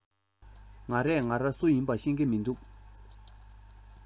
ང རས ང ར སུ ཡིན པ ཤེས གི མི འདུག